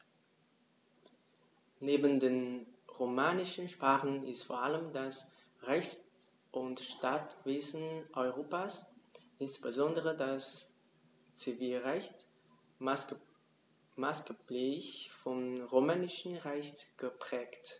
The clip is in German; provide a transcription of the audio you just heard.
Neben den romanischen Sprachen ist vor allem das Rechts- und Staatswesen Europas, insbesondere das Zivilrecht, maßgeblich vom Römischen Recht geprägt.